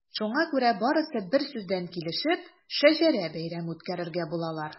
Шуңа күрә барысы берсүздән килешеп “Шәҗәрә бәйрәме” үткәрергә булалар.